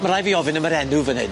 Ma' rai' fi ofyn am yr enw fyn fyn.